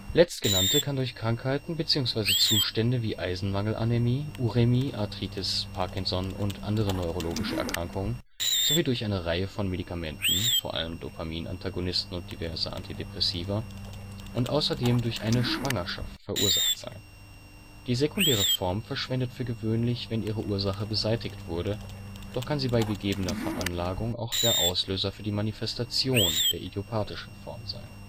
Letztgenannte kann durch Krankheiten bzw. Zustände wie Eisenmangelanämie, Urämie, Arthritis, Parkinson u.a. neurologische Erkrankungen sowie durch eine Reihe von Medikamenten (vor allem Dopaminantagonisten und diverse Antidepressiva) und außerdem durch eine Schwangerschaft verursacht sein. Die sekundäre Form verschwindet für gewöhnlich, wenn ihre Ursache beseitigt wurde, doch kann sie bei gegebener Veranlagung auch der Auslöser für die Manifestation der idiopathischen Form sein